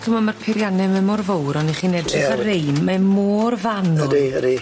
Dwi me'wl ma'r peirianne ma' mor fowr o'n 'ych chi'n edrych ar rein mae mor fanwl. Ydi ydi.